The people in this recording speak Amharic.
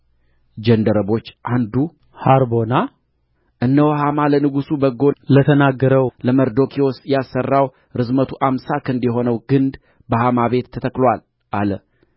ጃንደረቦች አንዱ ሐርቦና እነሆ ሐማ ለንጉሡ በጎ ለተናገረው ለመርዶክዮስ ያሠራው ርዝመቱ አምሳ ክንድ የሆነው ግንድ በሐማ ቤት ተተክሎአል አለ